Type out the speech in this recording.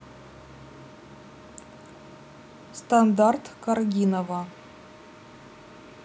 стандарт каргинова